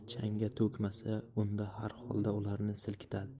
changga to'kmasa unda har holda ularni silkitadi